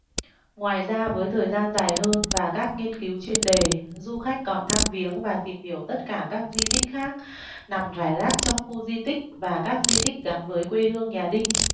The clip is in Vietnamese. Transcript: ngoài ra với thời gian dài hơn và các nghiên cứu chuyên đề du khách còn thăm viếng và tìm hiểu tất cả các di tích khác nằm rải rác trong khu di tích và các di tích gắn với quê hương nhà đinh